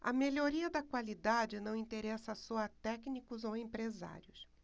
a melhoria da qualidade não interessa só a técnicos ou empresários